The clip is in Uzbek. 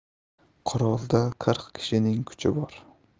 qurolda qirq kishining kuchi bor